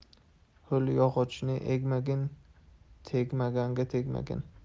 ho'l yog'ochni egmagin tegmaganga tegmagin